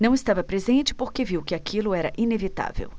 não estava presente porque viu que aquilo era inevitável